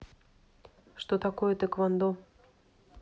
что такое тэквандо